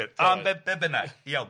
Ond be- be- bynnag iawn.